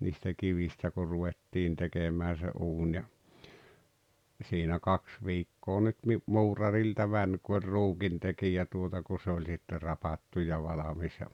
niistä kivistä kun ruvettiin tekemään se uuni ja ja siinä kaksi viikkoa nyt niin muurarilta meni kun oli ruukintekijä tuota kun se oli sitten rapattu ja valmis ja